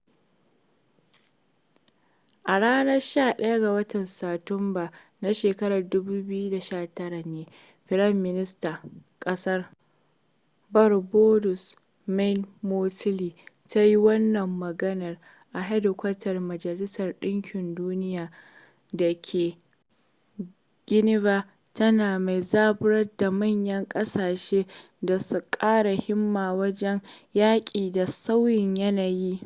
A ranar 11 ga Satumba na shekarar 2019 ne Firaministan ƙasar Barbados Mia Mottley ta yi wannan maganar a hedkwatar Majalisar ɗinkin Duniya da ke Geneva, tana mai zaburar da manyan ƙasashe da su ƙara himma wajen yaƙi da sauyin yanayi.